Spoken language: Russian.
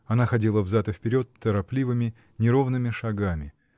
Она ходила взад и вперед торопливыми, неровными шагами.